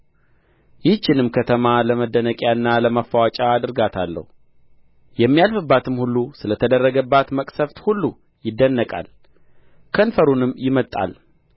ይህችንም ከተማ ለመደነቂያና ለማፍዋጫ አደርጋታለሁ የሚያልፍባትም ሁሉ ስለ ተደረገባት መቅሠፍት ሁሉ ይደነቃል ከንፈሩንም ይመጥጣል